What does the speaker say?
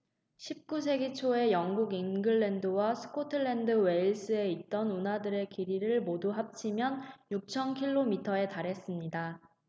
십 구 세기 초에 영국 잉글랜드와 스코틀랜드 웨일스에 있던 운하들의 길이를 모두 합하면 육천 킬로미터에 달했습니다